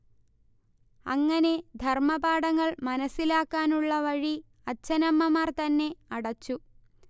അങ്ങനെ ധർമപാഠങ്ങൾ മനസ്സിലാക്കാനുള്ള വഴി അച്ഛനമ്മമാർതന്നെ അടച്ചു